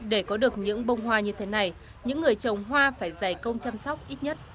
để có được những bông hoa như thế này những người trồng hoa phải dày công chăm sóc ít nhất